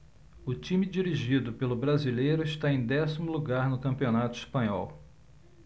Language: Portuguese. o time dirigido pelo brasileiro está em décimo lugar no campeonato espanhol